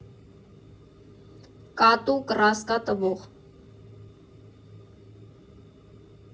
Կատու կռասկա տվող։